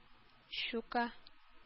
Щука